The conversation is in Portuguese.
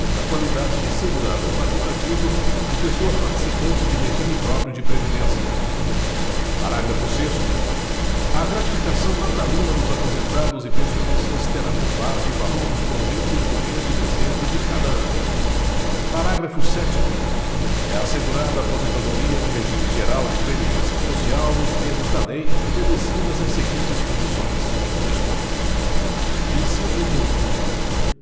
na qualidade de segurado facultativo de pessoa participante de regime próprio de previdência parágrafo sexto a gratificação natalina dos aposentados e pensionistas terá por base o valor dos proventos do mês de dezembro de cada ano parágrafo sétimo é assegurada aposentadoria no regime geral de previdência social nos termos da lei obedecidas as seguintes condições dois pontos inciso um